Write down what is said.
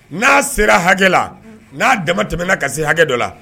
N'a sera hakɛ la n'a dama tɛmɛna ka se hakɛ dɔ la